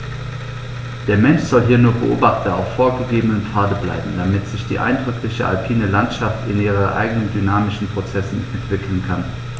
Der Mensch soll hier nur Beobachter auf vorgegebenen Pfaden bleiben, damit sich die eindrückliche alpine Landschaft in ihren eigenen dynamischen Prozessen entwickeln kann.